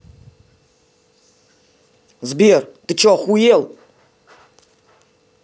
сбер ты че охуел